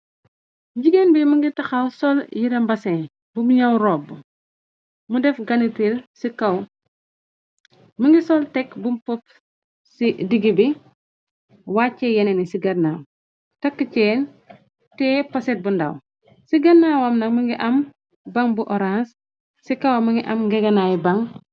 Jigeen bi mungi takhaw sol yereh mbesin bunj nyaw robu my def ganitil si kaw mu def tek bu xonxu bunj pof ci digibi wacheh yenen ci ganaw takeu chain teee pochet bu ndaw ci ganawam nak mungi am bang bu orange si kaw mungi am ngegenayu bang